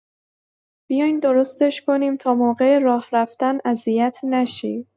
بیاین درستش کنیم تا موقع راه‌رفتن اذیت نشی.